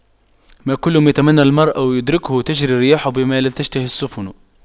ما كل ما يتمنى المرء يدركه تجرى الرياح بما لا تشتهي السفن